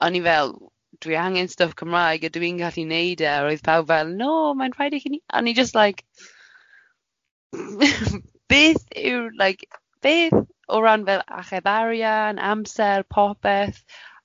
A o'n i fel, dwi angen stwff Cymraeg a dwi'n gallu wneud e. A roedd pawb fel, no mae'n rhaid i chi, a o'n i jyst like, beth yw'r like beth? O ran fel acheb arian, amser, popeth.